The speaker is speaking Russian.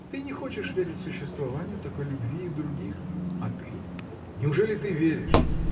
– ты не хочешь верить существованию такой любви и в других. – А ты? неужели ты веришь?